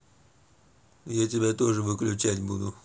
я тебя тоже выключать буду